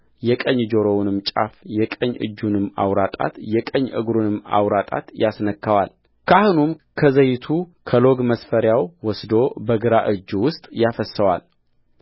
የቀኝ ጆሮውን ጫፍ የቀኝ እጁንም አውራ ጣት የቀኝ እግሩንም አውራ ጣት ያስነካዋልካህኑም ከዘይቱ ከሎግ መስፈሪያው ወስዶ በግራ እጁ ውስጥ ያፈስሰዋል